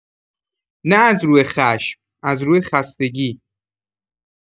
نه از روی خشم، از روی خستگی.